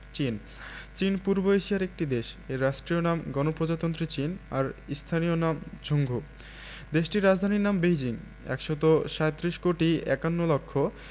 চীনঃ চীন পূর্ব এশিয়ার একটি দেশ এর রাষ্ট্রীয় নাম গণপ্রজাতন্ত্রী চীন আর স্থানীয় নাম ঝুংঘু দেশটির রাজধানীর নাম বেইজিং ১৩৭ কোটি ৫১ লক্ষ